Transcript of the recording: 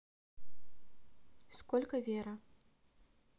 сколько вера